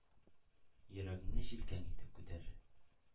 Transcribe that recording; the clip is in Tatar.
Йөрәгеңне җилкән итеп күтәр.